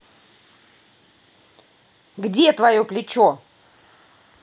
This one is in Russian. где твое плечо